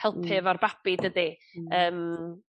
helpu efo'r babi dydi? Yym.